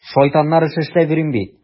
Шайтаннар эше эшләп йөрим бит!